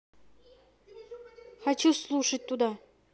хочу слушать туда